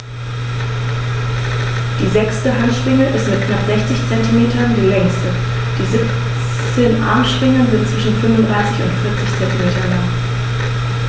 Die sechste Handschwinge ist mit knapp 60 cm die längste. Die 17 Armschwingen sind zwischen 35 und 40 cm lang.